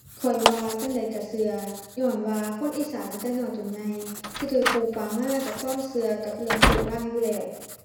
ข้อยว่าจั่งใดก็ก็ ญ้อนว่าคนอีสานตั้งแต่น้อยจนใหญ่สิก็ปลูกฝังมากับความก็กับเรื่องโชคลางอยู่แล้ว